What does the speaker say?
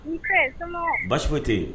Nse! Somɔgɔw. Basi foyi tɛ yen.